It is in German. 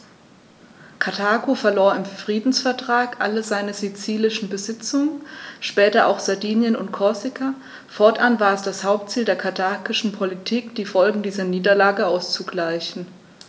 Karthago verlor im Friedensvertrag alle seine sizilischen Besitzungen (später auch Sardinien und Korsika); fortan war es das Hauptziel der karthagischen Politik, die Folgen dieser Niederlage auszugleichen.